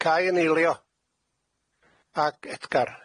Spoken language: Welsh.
Cai yn eilio. Ag Edgar.